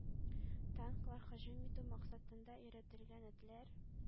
Танкларга һөҗүм итү максатында өйрәтелгән этләр